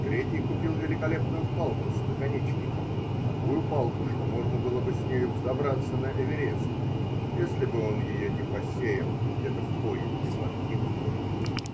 Третий купил великолепную палку с наконечником, такую палку, что можно было бы с нею взобраться на Эверест, если бы он ее не посеял где-то в поезде под Инсбруком.